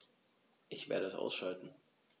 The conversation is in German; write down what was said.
Ich werde es ausschalten